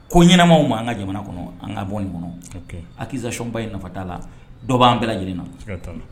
Ko ɲɛnaɛnɛmaw ma' an ka jamana kɔnɔ an ka bɔ nin kɔnɔ haizcɔnba in nafata la dɔ'an bɛɛ lajɛlen na